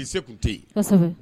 I se k' tɛ yen